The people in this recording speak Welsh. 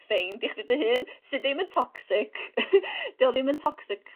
ffeind i chdi dy hun sy ddim y toxic 'di o ddim yn toxic